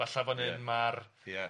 Falla fan hyn ma'r... Ia...